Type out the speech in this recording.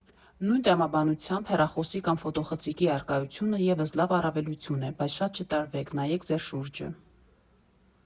Նույն տրամաբանությամբ հեռախոսի կամ ֆոտոխցիկի առկայությունը ևս լավ առավելություն է, բայց շատ չտարվեք, նայեք ձեր շուրջը։